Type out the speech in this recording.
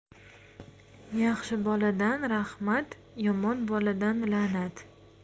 yaxshi boladan rahmat yomon boladan la'nat